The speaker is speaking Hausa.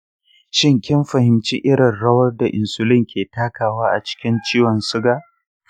shin kin fahimci irin rawar da insulin ke takawa a cikin ciwon suga?